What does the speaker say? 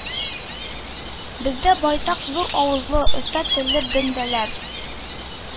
Бездә байтак зур авызлы, оста телле бәндәләр,